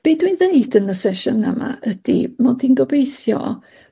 be dwi'n ddeud yn y sesiwn yma ydi mod i'n gobeithio